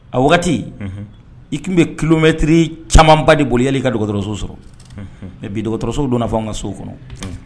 A waati wagati i tun bɛ kulomɛtiri camanba de bolili ka dɔgɔtɔrɔso sɔrɔ mɛ bi dɔgɔtɔrɔso donna fɔ an ka sow kɔnɔ